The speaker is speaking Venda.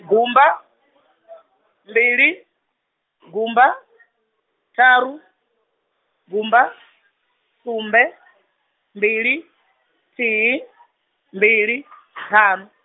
gumba, mbili, gumba ṱharu, gumba, sumbe, mbili, thihi, mbili , ṱhanu.